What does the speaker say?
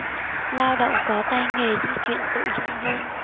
lao động có tay nghề di chuyển tự do hơn